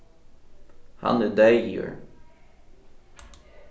hann er deyður